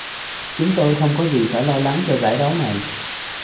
chúng tôi không có gì phải lo lắng cho giải đấu này